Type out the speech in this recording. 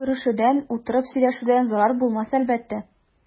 Күрешүдән, утырып сөйләшүдән зарар булмас әлбәттә.